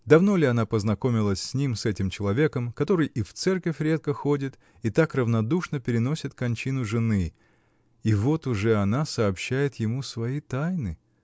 Давно ли она познакомилась с ним, с этим человеком, который и в церковь редко ходит и так равнодушно переносит кончину жены, -- и вот уже она сообщает ему свои тайны.